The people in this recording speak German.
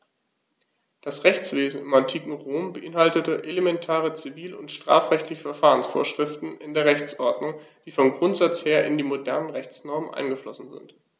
Das Rechtswesen im antiken Rom beinhaltete elementare zivil- und strafrechtliche Verfahrensvorschriften in der Rechtsordnung, die vom Grundsatz her in die modernen Rechtsnormen eingeflossen sind.